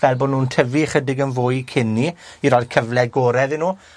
fel bo' nw'n tyfu chydig yn fwy cyn 'ny, i roi'r cyfle gore iddyn nw.